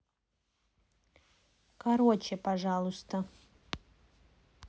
короче пожалуйста